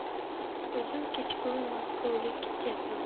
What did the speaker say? o'zim kechqurun maskovga ketyapman